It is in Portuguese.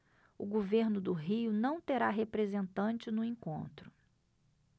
o governo do rio não terá representante no encontro